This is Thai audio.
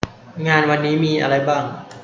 งานวันนี้มีอะไรบ้าง